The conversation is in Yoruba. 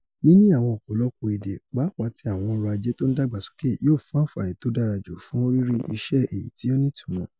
Níní àwọn ọ̀pọ̀lọpọ̀ èdè, paàpá ti àwọn ọ̀rọ̀-ajé tó ńdàgbàsóke, yóò fún àǹfààní tódára ju fún rírí iṣẹ́ èyití ó nítumọ̀.